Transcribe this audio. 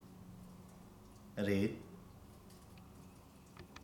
རེད